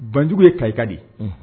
Banjugu ye ka ika di